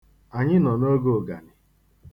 Anyị nọ n'oge uganị.